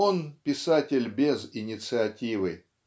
Он -- писатель без инициативы.